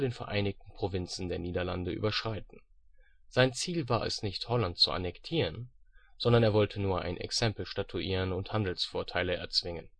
Vereinigten Provinzen der Niederlande überschreiten. Sein Ziel war es nicht Holland zu annektieren, sondern er wollte nur ein Exempel statuieren und Handelsvorteile erzwingen